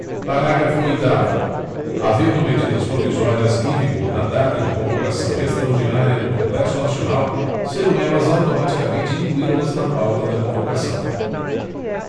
parágrafo oitavo havendo medidas provisórias em vigor na data de convocação extraordinária do congresso nacional serão elas automaticamente incluídas na pauta da convocação